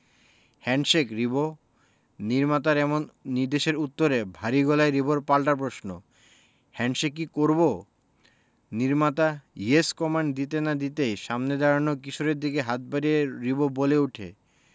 handshake Ribo নির্মাতার এমন নির্দেশের উত্তরে ভারী গলায় রিবোর পাল্টা প্রশ্ন হ্যান্ডশেক কি করবো নির্মাতা ইয়েস কমান্ড দিতে না দিতেই সামনের দাঁড়ানো কিশোরের দিকে হাত বাড়িয়ে দিয়ে রিবো বলে উঠে